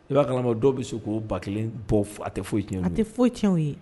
I b'aalama dɔw bɛ se ko ba kelen bɔ a tɛ foyi cɛn ye a tɛ foyi cɛnenw ye